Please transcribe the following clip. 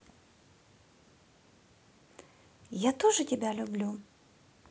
я тоже тебя люблю